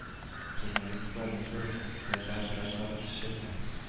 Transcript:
Журналистлар нидер язды операторлар төшерде